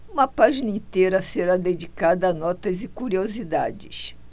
uma página inteira será dedicada a notas e curiosidades